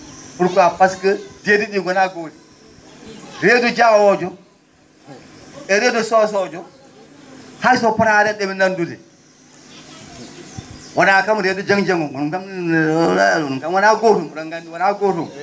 pourquoi pasque deedi ?i gonaa gooti reedu Diawojo e reedu Sow sojo hayso fotaa no ?e?i nanndude wonaa kam reedu Dieng Dieng ngo on kam ?um kam wonaa gootum